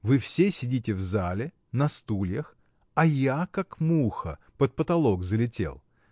Вы все сидите в зале, на стульях, а я, как муха, под потолок залетел.